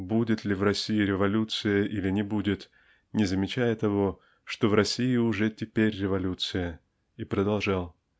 будет ли в России революция или не будет не замечая того что в. России. уже теперь революция", и продолжал